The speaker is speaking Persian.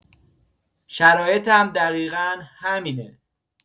شرایطم دقیقا همینه.